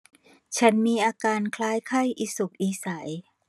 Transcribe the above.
ฉันมีอาการคล้ายไข้อีสุกอีใส